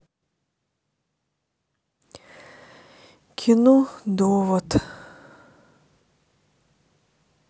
кино довод